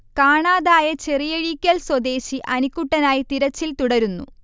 കാണാതായ ചെറിയഴീക്കൽ സ്വദേശി അനിക്കുട്ടനായി തിരച്ചിൽ തുടരുന്നു